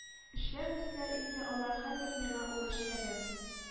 Эшләмәсләр инде алар хәзер миңа ул эшләрен